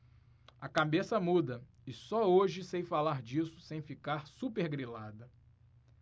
a cabeça muda e só hoje sei falar disso sem ficar supergrilada